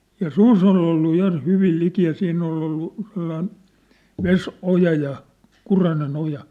ja susi oli ollut ja hyvin liki ja siinä oli ollut sellainen vesioja ja kurainen oja